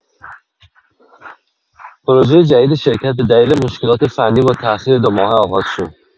پروژۀ جدید شرکت به دلیل مشکلات فنی با تاخیر دو ماهه آغاز شد.